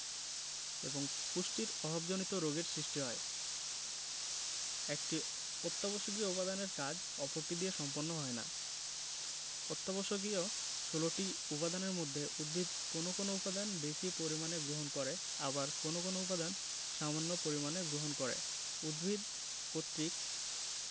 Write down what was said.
এবং পুষ্টির অভাবজনিত রোগের সৃষ্টি হয় একটি অত্যাবশ্যকীয় উপাদানের কাজ অপরটি দিয়ে সম্পন্ন হয় না অত্যাবশ্যকীয় ১৬ টি উপাদানের মধ্যে উদ্ভিদ কোনো কোনো উপাদান বেশি পরিমাণে গ্রহণ করে আবার কোনো কোনো উপাদান সামান্য পরিমাণে গ্রহণ করে উদ্ভিদ কর্তৃক